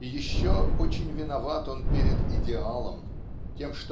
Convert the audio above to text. И еще очень виноват он перед идеалом тем